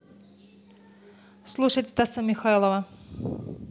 слушать стаса михайлова